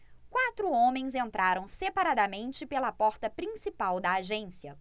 quatro homens entraram separadamente pela porta principal da agência